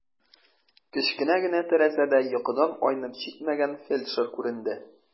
Кечкенә генә тәрәзәдә йокыдан айнып җитмәгән фельдшер күренде.